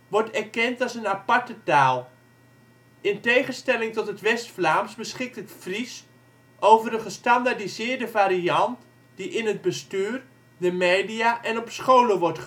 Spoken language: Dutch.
wordt erkend als een aparte taal. In tegenstelling tot het West-Vlaams beschikt het Fries over een gestandaardiseerde variant die in het bestuur, de media en op scholen wordt